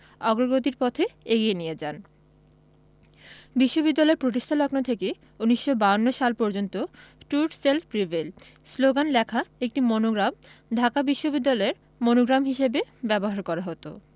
অগ্রগতির পথে এগিয়ে নিয়ে যান বিশ্ববিদ্যালয় প্রতিষ্ঠালগ্ন থেকে ১৯৫২ সাল পর্যন্ত ট্রুত শেল প্রিভেইল শ্লোগান লেখা একটি মনোগ্রাম ঢাকা বিশ্ববিদ্যালয়ের মনোগ্রাম হিসেবে ব্যবহার করা হতো